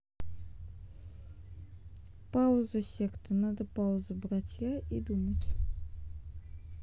пауза секта надо паузу братья и думать